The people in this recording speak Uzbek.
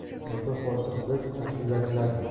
o'rtoq boshliq biz ashulachilarmiz